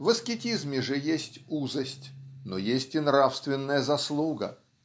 В аскетизме же есть узость, но есть и нравственная заслуга.